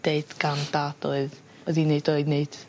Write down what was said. deud gan dad oedd oedd 'i'n neud o i neud